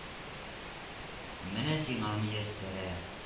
—менә сиңа мияссәрә